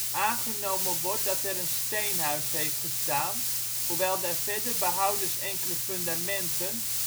Aangenomen wordt dat er een steenhuis heeft gestaan, hoewel daar verder behoudens enkele fundamenten